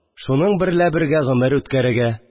Шуның берлә бергә гомер үткәрергә